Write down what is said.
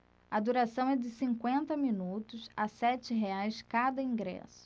a duração é de cinquenta minutos a sete reais cada ingresso